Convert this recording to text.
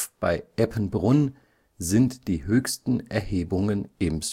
bei Eppenbrunn sind die höchsten Erhebungen im